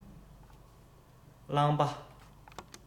རླངས པ